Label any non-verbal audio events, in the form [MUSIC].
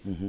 [HESITATION] [HESITATION]